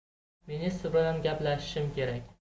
ministr bilan gaplashishim kerak